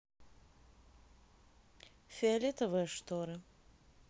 фиолетовые шторы